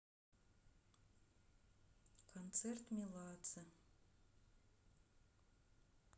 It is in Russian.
концерт меладзе